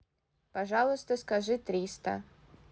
пожалуйста скажи триста